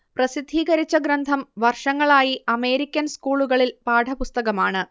പ്രസിദ്ധീകരിച്ച ഗ്രന്ഥം വർഷങ്ങളായി അമേരിക്കൻ സ്കൂളുകളിൽ പാഠപുസ്തകമാണ്